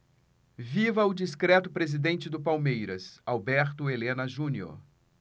viva o discreto presidente do palmeiras alberto helena junior